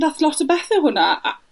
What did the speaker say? ...dath lot o bethe o hwnna, a...